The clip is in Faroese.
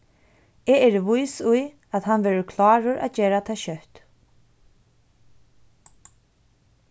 eg eri vís í at hann verður klárur at gera tað skjótt